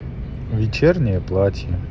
вечернее платье